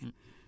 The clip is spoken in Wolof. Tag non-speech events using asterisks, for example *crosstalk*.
*hesitation*